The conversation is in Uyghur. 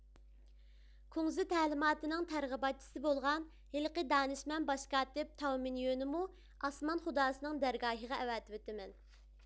كۇڭزى تەلىماتىنىڭ تەرغىباتچىسى بولغان ھېلىقى دانىشمەن باش كاتىپ تاۋمىنيۆنمۇ ئاسمان خۇداسىنىڭ دەرگاھىغا ئەۋەتىۋېتىمەن